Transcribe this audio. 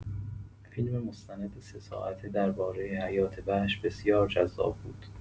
فیلم مستند سه‌ساعته درباره حیات‌وحش بسیار جذاب بود.